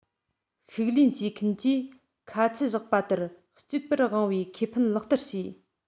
བཤུག ལེན བྱེད མཁན གྱིས ཁ ཆད བཞག པ ལྟར གཅིག པུར དབང བའི ཁེ ཕན ལག བསྟར བྱས